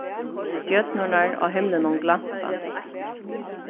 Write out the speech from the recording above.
stjørnurnar á himlinum glampa